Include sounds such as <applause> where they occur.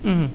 <hesitation> <hesitation>